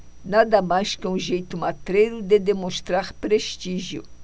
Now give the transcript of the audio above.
nada mais que um jeito matreiro de demonstrar prestígio